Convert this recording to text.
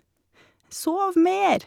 Sov mer.